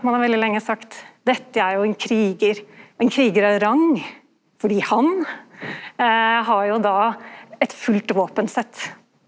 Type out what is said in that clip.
ein har veldig lenge sagt dette er jo ein krigar, ein krigar er rang fordi han har jo då eit fullt våpensett.